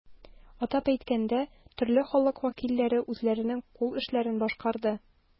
Атап әйткәндә, төрле халык вәкилләре үзләренең кул эшләрен башкарды.